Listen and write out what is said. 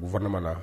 U fɛnɛmala